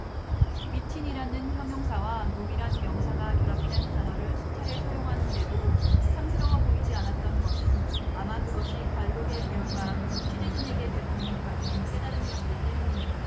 미친이라는 형용사와 놈이란 명사가 결합된 단어를 수차례 사용하는데도 상스러워 보이지 않았던 것은 아마 그것이 관록의 배우가 취재진에게 베푸는 값진 깨달음이었기 때문이리라